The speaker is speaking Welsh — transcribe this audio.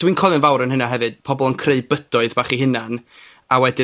dwi'n colio'n fawr yn hynna hefyd. Pobol yn creu bydoedd bach eu hunan, a wedyn